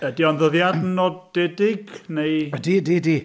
Ydy o'n ddyddiad nodedig, neu... O ydi, ydi, ydi.